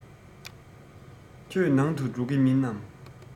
ཁྱོད ནང དུ འགྲོ གི མིན ནམ